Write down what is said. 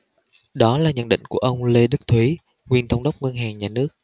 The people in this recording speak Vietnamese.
đó là nhận định của ông lê đức thúy nguyên thống đốc ngân hàng nhà nước